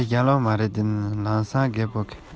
རླུང བུས ངའི བ སྤུ བསླངས པས